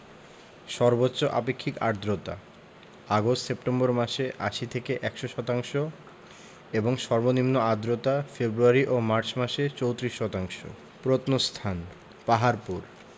সর্বোচ্চ আপেক্ষিক আর্দ্রতা আগস্ট সেপ্টেম্বর মাসে ৮০ থেকে ১০০ শতাংশ এবং সর্বনিম্ন আর্দ্রতা ফেব্রুয়ারি ও মার্চ মাসে ৩৪ শতাংশ প্রত্নস্থান পাহাড়পুর